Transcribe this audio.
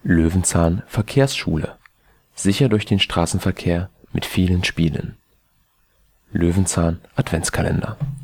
Löwenzahn Verkehrsschule: Sicher durch den Straßenverkehr mit vielen Spielen Löwenzahn Adventskalender